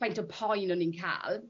faint o poen o'n i'n ca'l.